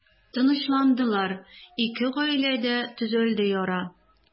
Тынычландылар, ике гаиләдә төзәлде яра.